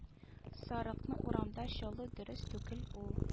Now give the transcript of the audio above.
- сарыкны урамда чалу дөрес түгел ул